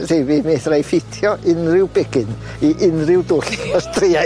Ydi fi mi fedraii ffitio unrhyw begyn i unrhyw dwll os dria i.